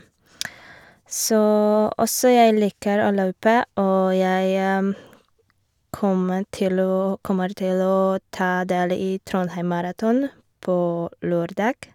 så Og så jeg liker å løpe, og jeg kommer til å kommer til å ta del i Trondheim Maraton på lørdag.